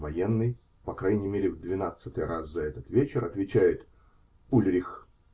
Военный, по крайней мере в двенадцатый раз за этот вечер, отвечает: -- Ульрих.